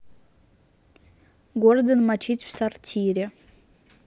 гордон мочить в сортире